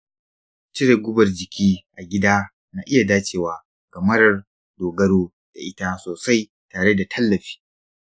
cire gubar jiki a gida na iya dacewa ga marar dogaro da ita sosai tare da tallafi.